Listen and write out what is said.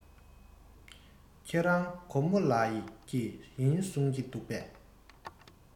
ཁྱེད རང གོར མོ ལ ཀྱི ཡིན གསུང གི འདུག ཕེབས པས